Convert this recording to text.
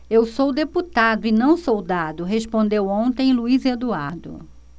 eu sou deputado e não soldado respondeu ontem luís eduardo